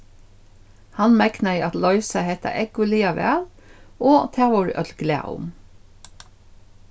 hann megnaði at loysa hetta ógvuliga væl og tað vóru øll glað um